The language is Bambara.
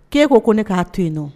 Ko e ko ko ne k'a to ye